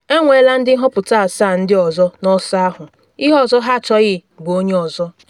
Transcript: “Enweela ndị nhọpụta asaa ndị ọzọ n’ọsọ ahụ, ihe ọzọ ha achọghị bụ onye ọzọ.